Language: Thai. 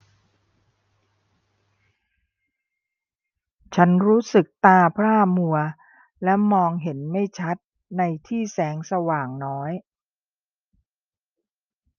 ฉันรู้สึกตาพร่ามัวและมองเห็นไม่ชัดในที่แสงสว่างน้อย